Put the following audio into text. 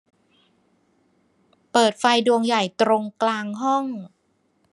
เปิดไฟดวงใหญ่ตรงกลางห้อง